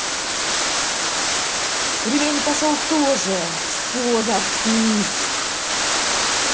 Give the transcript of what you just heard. ремень пошел тоже все заткнись